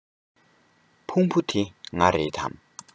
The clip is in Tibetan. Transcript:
ཕུང བོ འདི ང རེད དམ